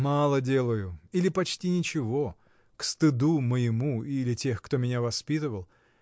— Мало делаю или почти ничего, к стыду моему или тех, кто меня воспитывал.